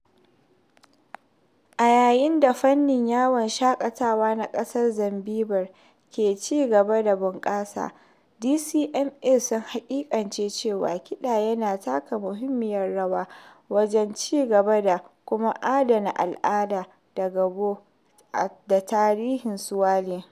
A yayin da fannin yawon shaƙatawa na ƙasar Zanzibar ke ci gaba da bunƙasa, DCMA sun haƙiƙance cewa kiɗa yana taka muhimmiyar rawa wajen cigaba da kuma adana al'ada da gado da tarihin Swahili.